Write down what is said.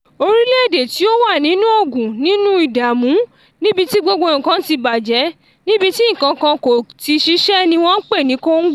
Orílẹ̀-èdè tí ó wà nínú ogun, nínú ìdààmú, níbi tí gbogbo nǹkan ti bàjẹ́, níbi tí nǹkankan kò ti ṣiṣẹ́ ni wọ́n pe Congo.